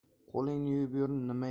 qo'lingni yuvib yur